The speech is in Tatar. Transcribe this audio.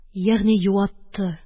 Ягъни юатты